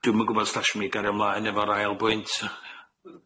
A dwi'm yn gwbod sta chisio mi gario mlaen efo'r ail bwynt.